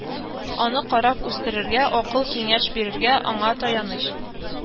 Аны карап үстерергә, акыл-киңәш бирергә, аңа таяныч